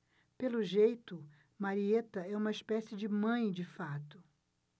pelo jeito marieta é uma espécie de mãe de fato